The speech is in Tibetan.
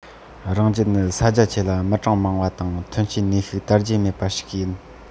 རང རྒྱལ ནི ས རྒྱ ཆེ ལ མི གྲངས མང བ དང ཐོན སྐྱེད ནུས ཤུགས དར རྒྱས མེད པ ཞིག ཡིན